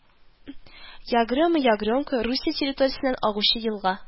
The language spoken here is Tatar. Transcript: Ягрема Ягремка Русия территориясеннән агучы елга